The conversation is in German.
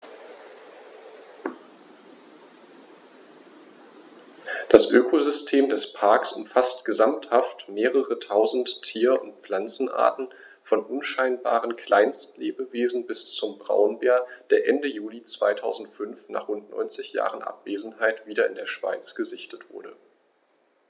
Das Ökosystem des Parks umfasst gesamthaft mehrere tausend Tier- und Pflanzenarten, von unscheinbaren Kleinstlebewesen bis zum Braunbär, der Ende Juli 2005, nach rund 90 Jahren Abwesenheit, wieder in der Schweiz gesichtet wurde.